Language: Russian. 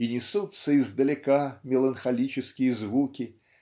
и несутся издалека меланхолические звуки